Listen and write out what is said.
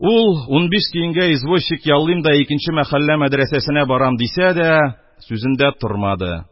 Ул: «Унбиш тиенгә извощик яллыйм да икенче мәхәллә мәдрәсәсенә барам», — дисә дә, сүзендә тормады,